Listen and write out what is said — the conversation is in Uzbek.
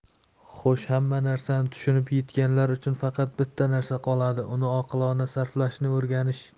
xo'sh hamma narsani tushunib etganlar uchun faqat bitta narsa qoladi uni oqilona sarflashni o'rganish